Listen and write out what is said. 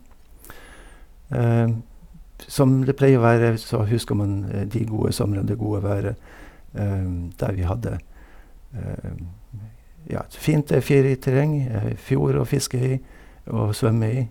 p Som det pleier å være, så husker man de gode somrene, det gode været, der vi hadde, ja, et fint ferieterreng, fjord å fiske i og svømme i.